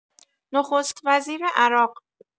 نخست‌وزیر عراق